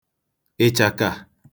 ịchàkà